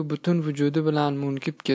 butun vujudi bilan munkib ketdi